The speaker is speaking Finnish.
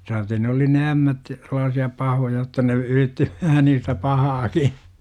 saatei ne oli ne ämmät sellaisia pahoja jotta ne yritti vähän niistä pahaakin